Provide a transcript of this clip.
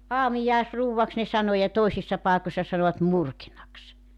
aamiaisruuaksi ne sanoi ja toisissa paikoissa sanoivat murkinaksi